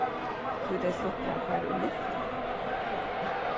tí tey sluppu at fara í lyftuna